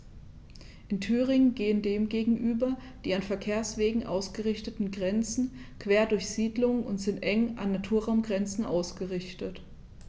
In Thüringen gehen dem gegenüber die an Verkehrswegen ausgerichteten Grenzen quer durch Siedlungen und sind eng an Naturraumgrenzen ausgerichtet.